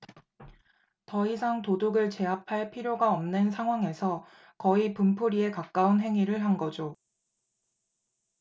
더 이상 도둑을 제압할 필요가 없는 상황에서 거의 분풀이에 가까운 행위를 한 거죠